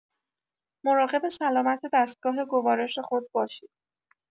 مراقب سلامت دستگاه گوارش خود باشید.